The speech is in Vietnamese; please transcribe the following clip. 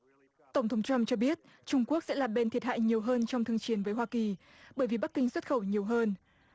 tổng thống trăm cho biết trung quốc sẽ là bên thiệt hại nhiều hơn trong tuyên chiến với hoa kỳ bởi vì bắc kinh xuất khẩu nhiều hơn